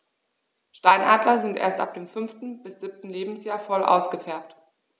Steinadler sind erst ab dem 5. bis 7. Lebensjahr voll ausgefärbt.